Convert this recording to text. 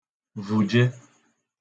vùge